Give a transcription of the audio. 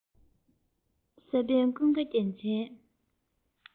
ས པན ཀུན དགའ རྒྱལ མཚན